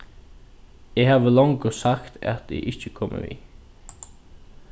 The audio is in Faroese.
eg havi longu sagt at eg ikki komi við